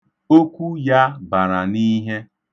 Okwu ya bara n'ihe.